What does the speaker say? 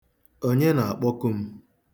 Onye na-akpọku m?